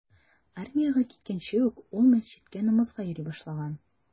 Армиягә киткәнче ук ул мәчеткә намазга йөри башлаган.